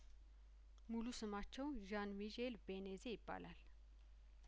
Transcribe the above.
ሙሉ ስማቸው ዣን ሚሼል ቤኔዜ ይባላል